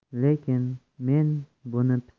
lekin men buni